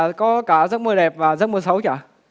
có cả giấc mơ đẹp và giấc mơ xấu chứ ạ